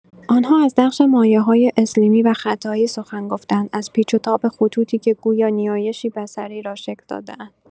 آن‌ها از نقش مایه‌های اسلیمی و ختایی سخن گفته‌اند، از پیچ‌وتاب خطوطی که گویا نیایشی بصری را شکل داده‌اند.